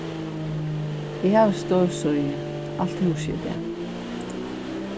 eg havi støvsogið alt húsið í dag